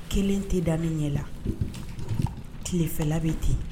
Kelen tɛ daminɛ ɲɛ la tilefɛ labɛn bɛ ten yen